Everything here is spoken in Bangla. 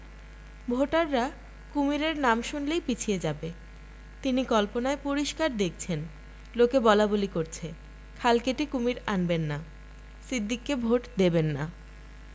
ভোটাররা কুমীরের নাম শুনলেই পিছিয়ে যাবে তিনি কল্পনায় পরিষ্কার দেখছেন লোকে বলাবলি করছে খাল কেটে কুশীর আনবেন না সিদ্দিককে ভোট দেবেন না